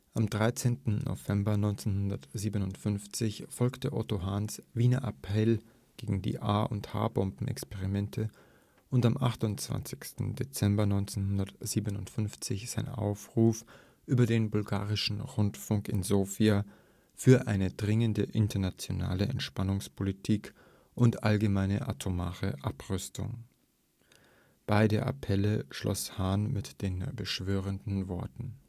Am 13. November 1957 folgte Otto Hahns „ Wiener Appell gegen die A - und H-Bomben-Experimente “und am 28. Dezember 1957 sein Aufruf über den bulgarischen Rundfunk in Sofia für eine „ dringende internationale Entspannungspolitik und allgemeine atomare Abrüstung “. Beide Appelle schloss Hahn mit den beschwörenden Worten